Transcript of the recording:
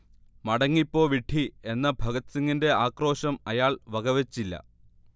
'മടങ്ങിപ്പോ വിഡ്ഢീ' എന്ന ഭഗത്സിങ്ങിന്റെ ആക്രോശം അയാൾ വകവച്ചില്ല